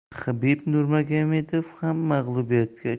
habib nurmagomedov ham mag'lubiyatga